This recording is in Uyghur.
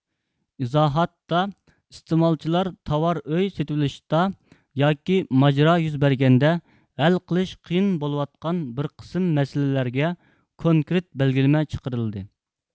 ئىزاھات تا ئىستېمالچىلار تاۋار ئۆي سېتىۋېلىشتا ياكى ماجرا يۈز بەرگەندە ھەل قىلىش قىيىن بولۇۋاتقان بىر قىسىم مەسىلىلەرگە كونكرېت بەلگىلىمە چىقىرىلدى